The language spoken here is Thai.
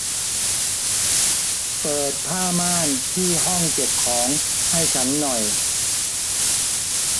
เปิดผ้าม่านที่ห้องเก็บของให้ฉันหน่อย